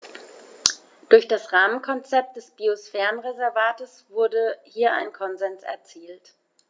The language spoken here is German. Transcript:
Durch das Rahmenkonzept des Biosphärenreservates wurde hier ein Konsens erzielt.